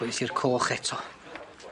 Gweles i'r coch eto.